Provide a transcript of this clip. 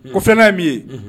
Kɔ fanana ye min ye